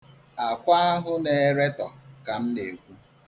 Àkwa ahụ na-eretọ ka m na-ekwu.